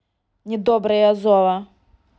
недобрые азова